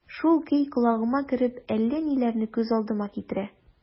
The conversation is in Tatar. Шул көй колагыма кереп, әллә ниләрне күз алдыма китерә...